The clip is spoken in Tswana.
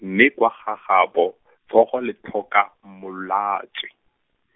mme kwa gagabo , tsogo le tlhoka, molatswi.